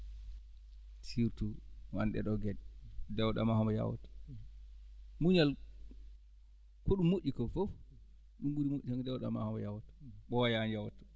surtout wano ɗee ɗoo geɗe dewɗo ma homo yawta muñal ko ɗum moƴƴi koo fof ɗum ɓuri moƴƴu tan ko dewɗo e ma o omo yawta ɓooyaani yawta